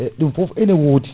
e ɗum foof ene woodi